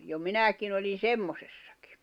jo minäkin olin semmoisessakin